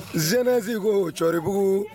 jeunesse ko cɔribugu